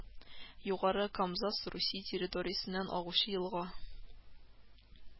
Югары Камзас Русия территориясеннән агучы елга